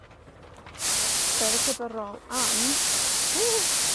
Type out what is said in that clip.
dau ddeg pedwar rôl am hww